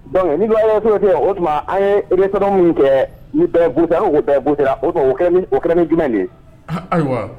Dɔnku ni bɛ cote o tuma an ye iretɔ min kɛ ni bɛɛ buta bɛɛ b bu o o kɛra ni jumɛn nin ayiwa